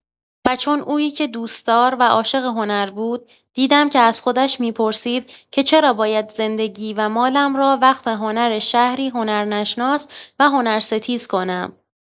وچون اویی که دوستدار و عاشق هنر بود، دیدم که از خودش می‌پرسید که چرا باید زندگی و مالم را وقف هنر شهری هنرنشناس و هنرستیز کنم؟